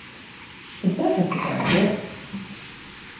eg staðfesti bara at tað er so